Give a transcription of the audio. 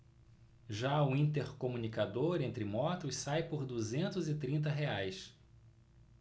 já o intercomunicador entre motos sai por duzentos e trinta reais